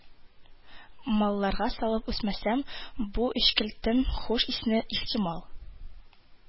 Малларга салып үсмәсәм, бу әчкелтем-хуш исне, ихтимал,